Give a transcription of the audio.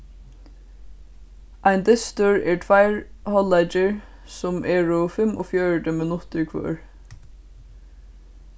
ein dystur er tveir hálvleikir sum eru fimmogfjøruti minuttir hvør